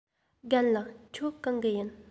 རྒན ལགས ཁྱེད གང གི ཡིན